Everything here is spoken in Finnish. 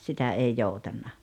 sitä ei joutanut